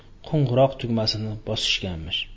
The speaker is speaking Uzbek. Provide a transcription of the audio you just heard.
kung'irok tugmasini bosishganmish